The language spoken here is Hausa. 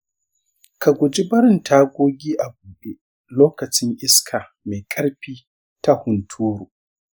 ka guji barin tagogi a buɗe lokacin iska mai ƙarfi ta hunturu.